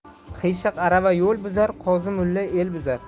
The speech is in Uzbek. qiyshiq arava yo'l buzar qozi mulla el buzar